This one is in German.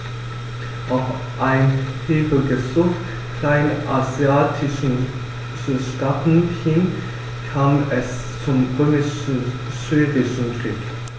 Auf ein Hilfegesuch kleinasiatischer Staaten hin kam es zum Römisch-Syrischen Krieg.